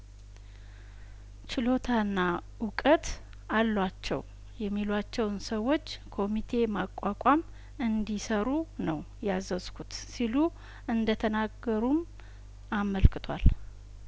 ችሎታና እውቀት አሏቸው የሚሏቸውን ሰዎች ኮሚቴ ማቋቋም እንዲሰሩ ነው ያዘዝ ኩት ሲሉ እንደተናገሩም አመልክቷል